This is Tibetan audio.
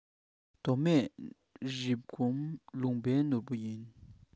མདོ སྨད རེབ གོང ལུང པའི ནོར བུ ཡིན